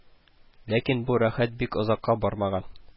Ләкин бу рәхәт бик озакка бармаган